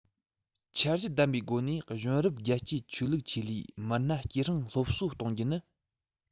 འཆར གཞི ལྡན པའི སྒོ ནས གཞོན རབས རྒྱལ གཅེས ཆོས ལུགས ཆེད ལས མི སྣ སྐྱེད སྲིང སློབ གསོ གཏོང རྒྱུ ནི